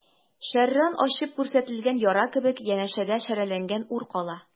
Шәрран ачып күрсәтелгән яра кебек, янәшәдә шәрәләнгән ур кала.